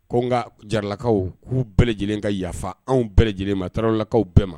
Ko nka jaralakaw k'u bɛɛ lajɛlen ka yafa anw bɛɛ lajɛlen ma taralakaw bɛɛ ma